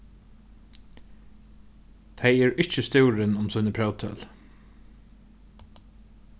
tey eru ikki stúrin um síni próvtøl